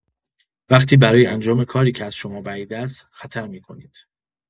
وقتی برای انجام کاری که از شما بعید است، خطر می‌کنید.